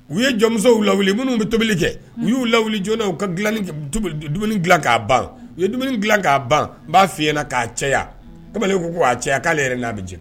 U ye jɔnmusow lawu minnu bɛ tobili kɛ u y'u lawu jɔnna uu ka dila dumuni dilan k'a ban u ye dumuni dilan k'a ban n b'a fy na k'a cɛya kamalen ko ko a cɛ k'ale yɛrɛ n'a bɛ jinɛ